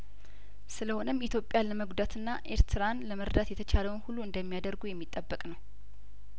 ስለሆነም ኢትዮጵያን ለመጉዳትና ኤርትራን ለመርዳት የተቻለውን ሁሉ እንደሚያደርጉ የሚጠበቅ ነው